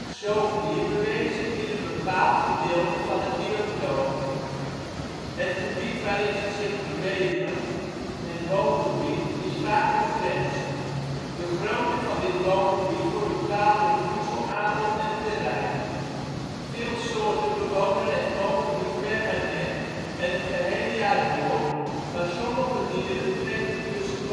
zoogdier beweegt zich in een bepaald gedeelte van het biotoop. Het gebied waarin ze zich bewegen, het woongebied, is vaak begrensd. De grootte van dit woongebied wordt bepaald door voedselaanbod en terrein. Veel soorten bewonen het woongebied permanent en het gehele jaar door, maar sommige dieren trekken tussen